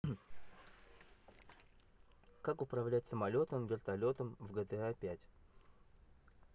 как управлять самолетом вертолетом в gta пять